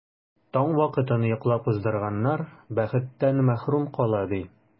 Таң вакытын йоклап уздырганнар бәхеттән мәхрүм кала, ди.